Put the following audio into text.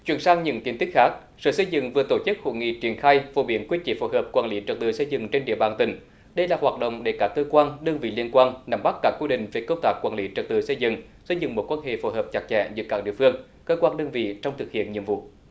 chuyển sang những tin tức khác sở xây dựng vừa tổ chức hội nghị triển khai phổ biến quy chế phối hợp quản lý trật tự xây dựng trên địa bàn tỉnh đây là hoạt động để các cơ quan đơn vị liên quan nắm bắt các quy định về công tác quản lý trật tự xây dựng xây dựng mối quan hệ phối hợp chặt chẽ giữa các địa phương cơ quan đơn vị trong thực hiện nhiệm vụ